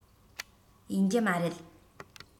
ཡིན རྒྱུ མ རེད